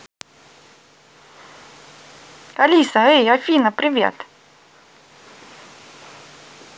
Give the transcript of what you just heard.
алиса эй афина привет